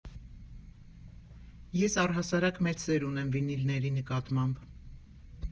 Ես առհասարակ մեծ սեր ունեմ վինիլների նկատմամբ։